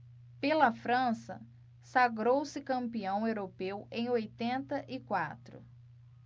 pela frança sagrou-se campeão europeu em oitenta e quatro